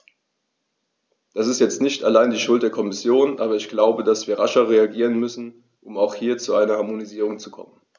Das ist jetzt nicht allein die Schuld der Kommission, aber ich glaube, dass wir rascher reagieren müssen, um hier auch zu einer Harmonisierung zu kommen.